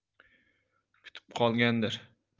kutib qolgandir